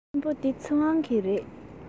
སྔོན པོ འདི ཚེ དབང གི རེད